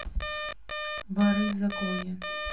воры в законе